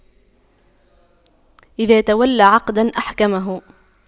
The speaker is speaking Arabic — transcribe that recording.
إذا تولى عقداً أحكمه